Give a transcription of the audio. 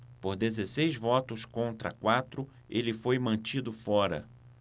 por dezesseis votos contra quatro ele foi mantido fora